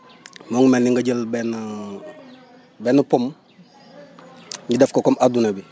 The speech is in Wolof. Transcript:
moo ngi mel ni nga jël benn benn pomme ñu def ko comme adduna bi